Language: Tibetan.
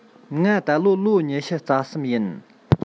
ང ད ལོ ལོ ཉི ཤུ རྩ གསུམ ཡིན